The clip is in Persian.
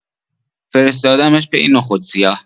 فرستادمش پی نخود سیاه.